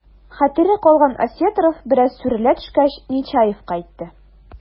Хәтере калган Осетров, бераз сүрелә төшкәч, Нечаевка әйтте: